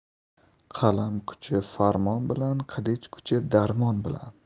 qalam kuchi farmon bilan qilich kuchi darmon bilan